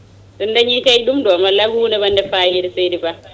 sen daañi kay ɗum ɗo wallahi ko hunde wande fayida seydi Ba